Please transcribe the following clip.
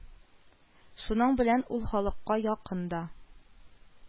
Шуның белән ул халыкка якын да